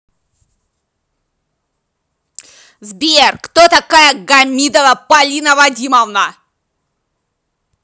сбер кто такая гамидова полина вадимовна